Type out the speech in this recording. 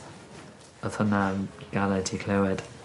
odd hwnna'n galed i glywed.